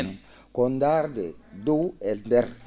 ko ndaarde dow e ndeer